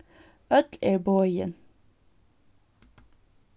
øll eru boðin